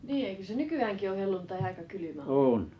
niin eikö se nykyäänkin ole helluntai aika kylmä ollut